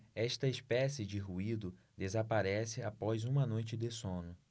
esta espécie de ruído desaparece após uma noite de sono